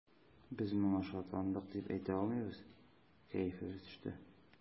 Без моңа шатландык дип әйтә алмыйбыз, кәефебез төште.